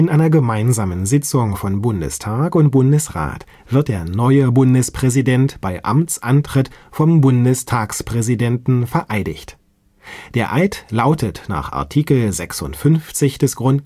einer gemeinsamen Sitzung von Bundestag und Bundesrat wird der neue Bundespräsident bei Amtsantritt vom Bundestagspräsidenten vereidigt. Der Eid lautet nach Art. 56 GG